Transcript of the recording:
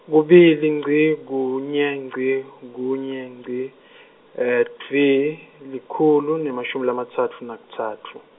kubili, ngci, kunye, ngci, kunye, ngci, dvwi, likhulu, nemashumi lamatsatfu nakutsatfu.